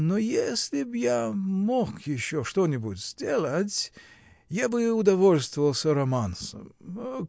Но если б я мог еще что-нибудь сделать, я бы удовольствовался романсом